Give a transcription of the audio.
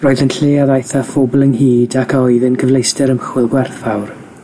Roedd yn lle ad daeth â phobl ynghyd ac a oedd yn cyfleuster ymchwil gwerthfawr.